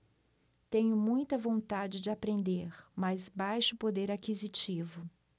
tenho muita vontade de aprender mas baixo poder aquisitivo